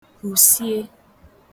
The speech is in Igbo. husie